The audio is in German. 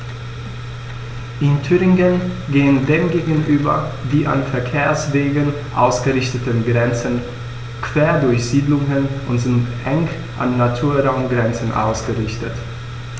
In Thüringen gehen dem gegenüber die an Verkehrswegen ausgerichteten Grenzen quer durch Siedlungen und sind eng an Naturraumgrenzen ausgerichtet.